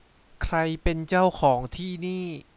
ใครเป็นเจ้าของที่นี่